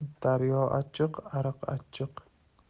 daryo achchiq ariq achchiq